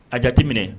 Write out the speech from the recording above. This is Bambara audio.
A jateminɛ